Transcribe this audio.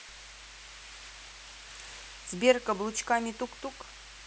сбер каблучками тук тук